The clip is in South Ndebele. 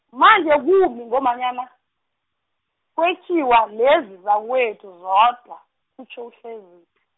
manje kumbi ngombana, kwetjiwa lezi zakwethu zodwa, kutjho uHlezi-